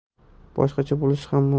boshqacha bo'lishi ham